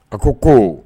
A ko ko